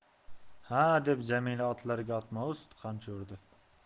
xa deb jamila otlarga ustma ust qamchi urardi